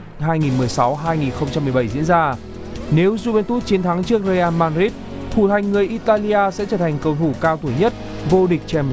hai nghìn mười sáu hai nghìn không trăm mười bảy diễn ra nếu du ven tút chiến thắng trước rê an ma rít thủ thành người i ta li a sẽ trở thành cầu thủ cao tuổi nhất vô địch chem